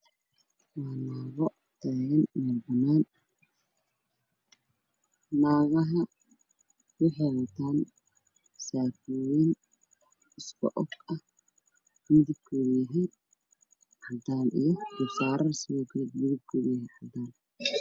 Waa naago taagan meel banaan ah. Naagaha waxay wataan saakooyin oo cadaan iyo garbasaaro cagaar ah.